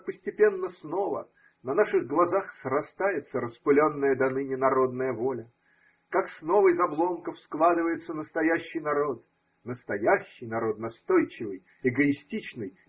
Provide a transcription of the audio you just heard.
как постепенно снова на наших глазах срастается распыленная доныне народная воля, как снова из обломков складывается настоящий народ, настоящий народ, настойчивый, эгоистичный.